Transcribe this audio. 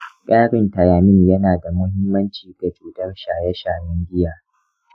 ƙarin thiamine yana da muhimmanci ga cutar shaye-shayen giya.